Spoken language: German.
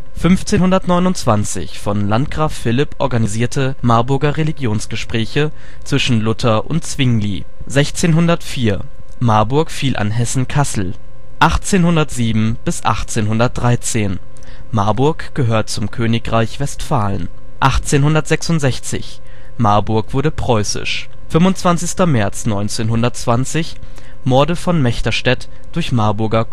1529 von Landgraf Philipp organisierte Marburger Religionsgespräche zwischen Luther und Zwingli 1604 - Marburg fiel an Hessen-Kassel 1807 - 1813 - Marburg gehört zum Königreich Westfalen 1866 - Marburg wurde preußisch 25. März 1920 - Morde von Mechterstädt durch Marburger